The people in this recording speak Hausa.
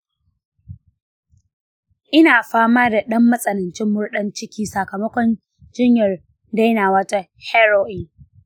ina fama da matsanancin murɗon ciki sakamakon jiyyar dainawa ta heroin.